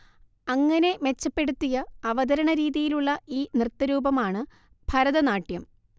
അങ്ങനെ മെച്ചപ്പെടുത്തിയ അവതരണരീതിയിലുള്ള ഈ നൃത്തരൂപമാണ്‌ ഭരതനാട്യം